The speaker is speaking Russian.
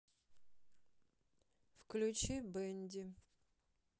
включи бенди